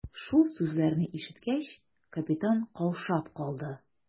Шул сүзләрне ишеткәч, капитан каушап калды.